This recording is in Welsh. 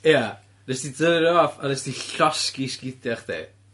Ia, nes di dynnu nw off a nes di llosgi sgidia' chdi.